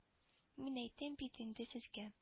Мин әйттем бит инде сезгә